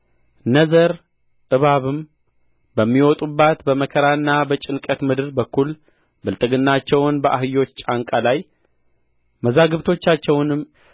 ነዘር እባብም በሚወጡባት በመከራና በጭንቀት ምድር በኩል ብልጥግናቸውን በአህዮች ጫንቃ ላይ መዛግብቶቻቸውንም